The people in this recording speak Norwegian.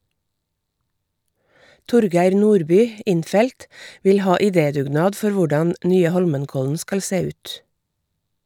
Torgeir Nordby, innfelt, vil ha idédugnad for hvordan nye Holmenkollen skal se ut.